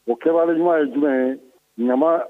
O kɛ ɲumanuma ye jumɛn ye ɲama